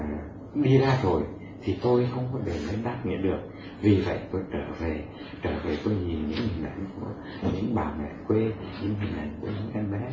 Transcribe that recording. đi ra rồi thì tôi không có đền ơn đáp nghĩa được vì vậy tôi trở về trở về tôi nhìn những hình ảnh của những bà mẹ quê những hình ảnh của những em bé